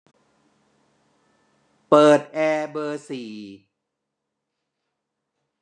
เปิดแอร์เบอร์สี่